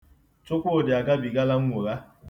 Chukwudị agabigala nnwogha.